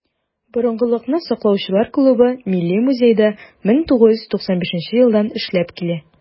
"борынгылыкны саклаучылар" клубы милли музейда 1995 елдан эшләп килә.